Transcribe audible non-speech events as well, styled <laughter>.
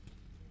<hesitation> <hesitation>